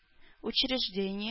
Учреждение